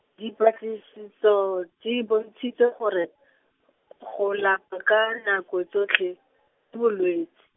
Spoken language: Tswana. dipatlisiso di bontshitse gore , go lap- ka nako tsotlhe , bolwetsi.